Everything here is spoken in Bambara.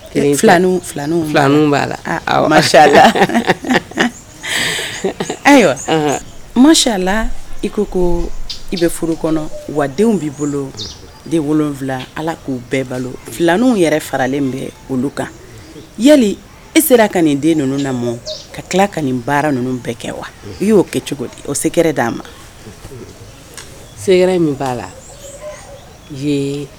B'a la ayiwa mayala i ko i bɛ furu kɔnɔ wa denw b'i bolo den wolonwula ala k'u bɛɛ balo filan yɛrɛ faralen bɛ olu kan yali i sera ka nin den ninnu na ka tila ka nin baara ninnu bɛɛ kɛ wa i y'o kɛ cogo di o sɛɛrɛ d'a ma sɛ min b'a la